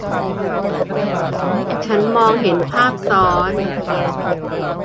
ฉันมองเห็นภาพซ้อน